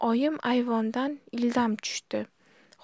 oyim ayvondan ildam tushdi